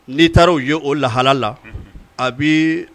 N'i taara u y o lahalala a bɛ